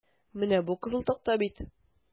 Менә бу кызыл такта бит?